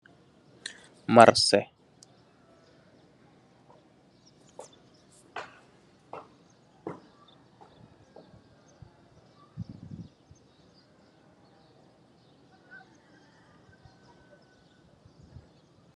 Maarse